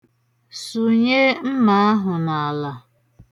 Sụnyee mma ahụ n'ala.